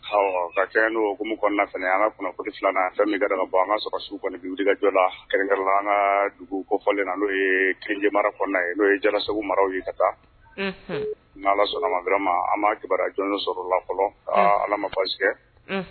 Ka kɛ n'oumu kɔnɔna fana an kunnafoni filanan fɛn min bɔ an ka sɔrɔ su kɔni kajɔ la kɛrɛnkɛ la an dugu fɔlen na n'o ye kincɛ mara kɔnɔna ye n'o ye jara segu mara ye ka taa n sɔnna mara ma an ma kibaj sɔrɔ la fɔlɔ ala mafajɛgɛ